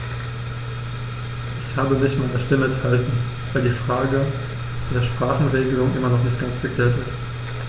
Ich habe mich meiner Stimme enthalten, weil die Frage der Sprachenregelung immer noch nicht ganz geklärt ist.